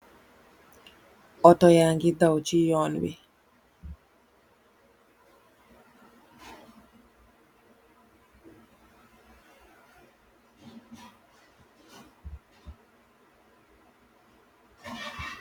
Otto ya ngi daw ci yon wi.